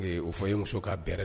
O fɔ ye muso'aɛrɛ dɛ